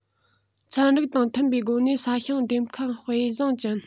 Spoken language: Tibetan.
ཚན རིག དང མཐུན པའི སྒོ ནས ས ཞིང འདེབས མཁན དཔེ བཟང ཅན